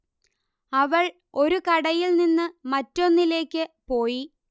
അവൾ ഒരു കടയിൽ നിന്ന് മറ്റൊന്നിലേക്ക് പോയി